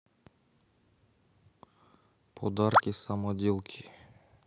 подарки самоделки